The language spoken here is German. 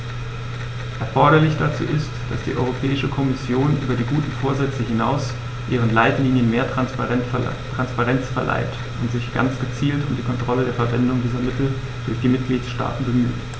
Erforderlich dazu ist, dass die Europäische Kommission über die guten Vorsätze hinaus ihren Leitlinien mehr Transparenz verleiht und sich ganz gezielt um die Kontrolle der Verwendung dieser Mittel durch die Mitgliedstaaten bemüht.